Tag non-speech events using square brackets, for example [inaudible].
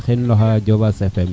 [music] xen loxa Jobas Fm